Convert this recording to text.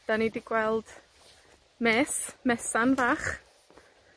'Dan ni 'di gweld mes, mesan fach.